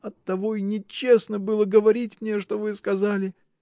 — Оттого и нечестно было говорить мне, что вы сказали.